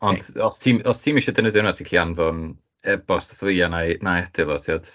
Ond os ti'm os ti'm isio defnyddio hwnna, ti'n gallu anfon e-bost ata fi, a wna i wna i adio fo tibod, so...